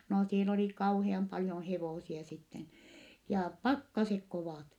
no siellä oli kauhean paljon hevosia sitten ja pakkaset kovat